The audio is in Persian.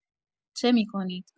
چه می‌کنید؟